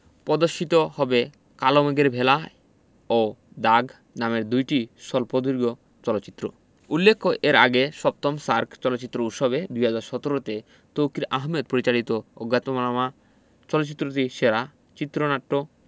পদর্শিত হবে কালো মেঘের ভেলায় ও দাগ নামের দুটি স্বল্পদৈর্ঘ চলচ্চিত্র উল্লেখ্য এর আগে ৭ম সার্ক চলচ্চিত্র উৎসব ২০১৭ তে তৌকীর আহমেদ পরিচালিত অজ্ঞাতনামা চলচ্চিত্রটি সেরা চিত্রনাট্য